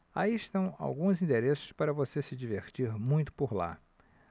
aí estão alguns endereços para você se divertir muito por lá